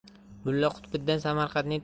mulla qutbiddin samarqandning